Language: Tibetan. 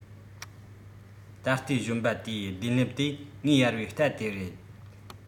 ད ལྟའི གཞོན པ དེའི གདན ལྷེབ དེ ངས གཡར བའི རྟ དེ རེད